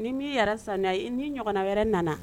Ni n'i yɛrɛ san ye i ni ɲɔgɔnna wɛrɛ nana